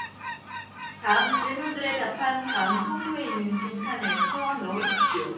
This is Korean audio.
다음 질문들에 답한 다음 성구에 있는 빈칸을 채워 넣으십시오